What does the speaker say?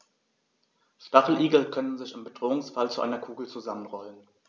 Stacheligel können sich im Bedrohungsfall zu einer Kugel zusammenrollen.